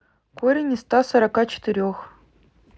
корень из ста сорока четырех